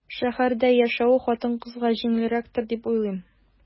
Шәһәрдә яшәве хатын-кызга җиңелрәктер дип уйлыйм.